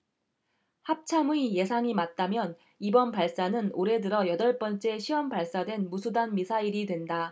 합참의 예상이 맞다면 이번 발사는 올해 들어 여덟 번째 시험발사된 무수단 미사일이 된다